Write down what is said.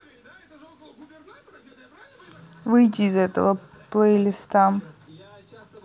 выйти из этого плейлиста